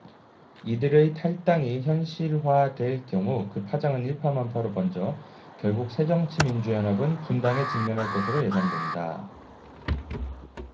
이들의 탈당이 현실화 될 경우 그 파장은 일파만파로 번져 결국 새정치민주연합은 분당에 직면할 것으로 예상된다